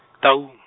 Taung.